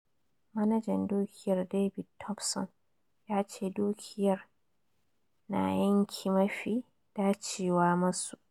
Manajan Dukiyar David Thompson yace dukiyar na yanki mafi dacewa masu.